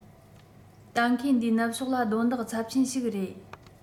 གཏན འཁེལ འདིའི ནུབ ཕྱོགས ལ རྡུང རྡེག ཚབས ཆེན ཞིག རེད